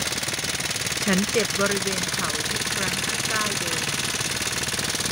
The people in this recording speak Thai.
ฉันเจ็บบริเวณเข้าทุกครั้งที่ก้าวเดิน